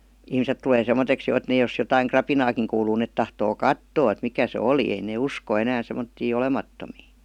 ihmiset tulee semmoiseksi jo että ne jos jotakin rapinaakin kuuluu ne tahtoo katsoa että mikä se oli ei ne usko enää semmoisia olemattomia